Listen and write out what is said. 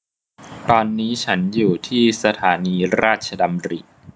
ตอนนี้ฉันอยู่ที่สถานีราชดำริ